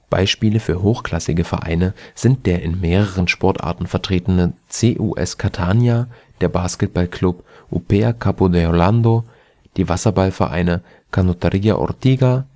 Beispiele für hochklassige Vereine sind der in mehreren Sportarten vertretene CUS Catania, der Basketballclub Upea Capo d'Orlando, die Wasserballvereine Canottieri Ortiga